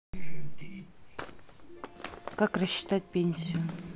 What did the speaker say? как рассчитать пенсию